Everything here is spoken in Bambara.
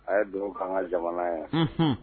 A ye dugawu k'an ka jamana ye, unhun